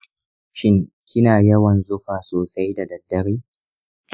shin kina yawan zufa sosai da daddare?